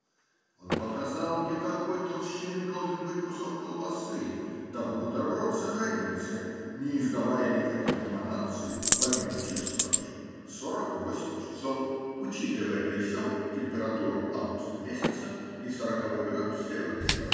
Он показал мне, какой толщины должен быть кусок колбасы, дабы бутерброд сохранился, не издавая никаких эманаций помимо чесночной, сорок восемь часов, учитывая при сем температуру августа месяца и сороковой градус северной широты.